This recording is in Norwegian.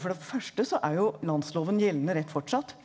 for det første så er jo Landsloven gjeldende rett fortsatt.